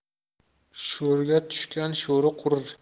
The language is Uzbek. sho'rga tushgan sho'ri qurir